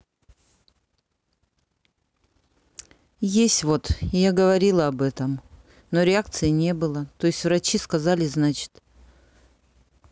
есть вот и я говорила об этом но реакции не было то есть врачи сказали значит